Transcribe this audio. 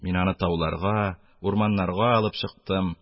Мин аны тауларга, урманнарга алып чыктым,